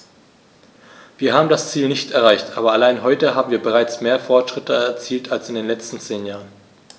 Wir haben das Ziel nicht erreicht, aber allein heute haben wir bereits mehr Fortschritte erzielt als in den letzten zehn Jahren.